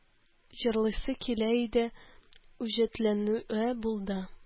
Җырлыйсы килә иде, үҗәтләнүе булды